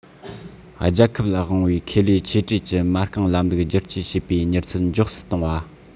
རྒྱལ ཁབ ལ དབང བའི ཁེ ལས ཆེ གྲས ཀྱི མ རྐང ལམ ལུགས བསྒྱུར བཅོས བྱེད པའི མྱུར ཚད མགྱོགས སུ གཏོང བ